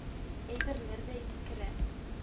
Әйберләр дә искерә